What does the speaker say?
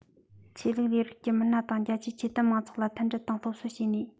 ཆོས ལུགས ལས རིགས ཀྱི མི སྣ དང རྒྱ ཆེའི ཆོས དད མང ཚོགས ལ མཐུན སྒྲིལ དང སློབ གསོ བྱས ནས